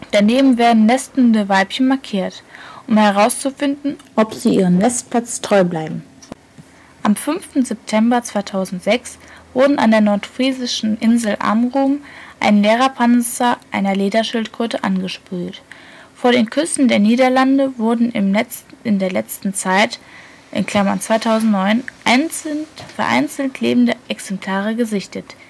Daneben werden nestende Weibchen markiert, um herauszufinden, ob sie ihren Nestplätzen treu bleiben. Verbreitung der Lederschildkröte (D. coriacea). Gelbe Kreise zeigen kleine Eiablageplätze, rote Kreise bekannte große Eiablageplätze Am 5. September 2006 wurde an der nordfriesischen Insel Amrum ein leerer Panzer einer Lederschildkröte angespült. Vor den Küsten der Niederlande wurden in letzter Zeit (2009) vereinzelt lebende Exemplare gesichtet